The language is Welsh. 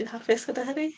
Ti'n hapus gyda hynny?